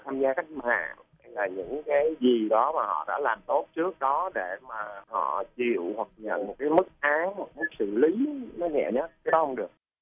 tham gia cách mạng là những cái gì đó mà họ đã làm tốt trước đó để mà họ chịu hoặc nhận mức án xử lý nó nhẹ nhất cái đó không được